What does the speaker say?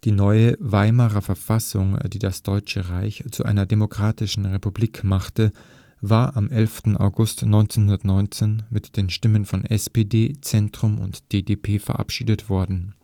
neue Weimarer Verfassung, die das Deutsche Reich zu einer demokratischen Republik machte, war am 11. August 1919 mit den Stimmen von SPD, Zentrum und DDP verabschiedet worden